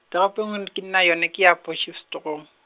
toropo engwe ke nna yone ke ya Potchefstroom.